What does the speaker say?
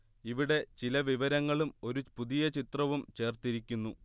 ഇവിടെ ചില വിവരങ്ങളും ഒരു പുതിയ ചിത്രവും ചേർത്തിരിക്കുന്നു